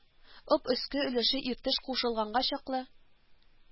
Об өске өлеше Иртеш кушылганга чаклы